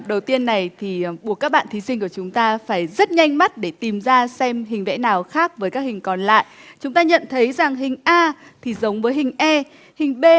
đầu tiên này thì buộc các bạn thí sinh của chúng ta phải rất nhanh mắt để tìm ra xem hình vẽ nào khác với các hình còn lại chúng ta nhận thấy rằng hình a thì giống với hình e hình bê